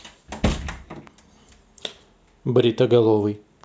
бритоголовый